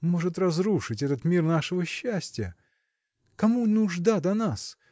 – может разрушить этот мир нашего счастья – кому нужда до нас?